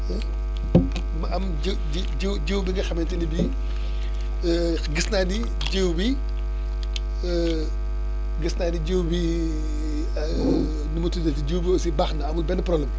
ma am ji ji jiw jiw bi nga xamante ni bii gis naa ni jiw bi gis naa ni jiw bi nu mu tuddati jiw bi aussi baax na amul benn problème